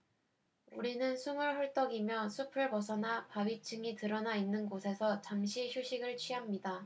우리는 숨을 헐떡이며 숲을 벗어나 바위층이 드러나 있는 곳에서 잠시 휴식을 취합니다